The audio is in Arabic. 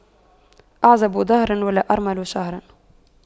أعزب دهر ولا أرمل شهر